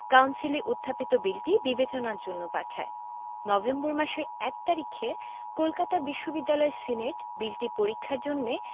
কাউন্সিলে উত্থাপিত বিলটি বিবেচনার জন্য পাঠায় নভেম্বর মাসের ১ তারিখে কলকাতা বিশ্ববিদ্যালয় সিনেট বিলটি পরীক্ষার জন্যে